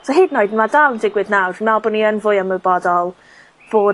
'so hyd yn oed ma' dal yn digwydd nawr, fi me'wl bo' ni yn fwy ymwybodol bod